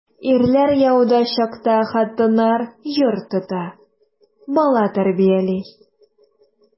Ирләр яуда чакта хатыннар йорт тота, бала тәрбияли.